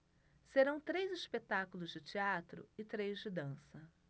serão três espetáculos de teatro e três de dança